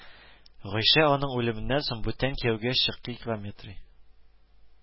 Гайшә аның үлеменнән соң бүтән кияүгә чыкилометрый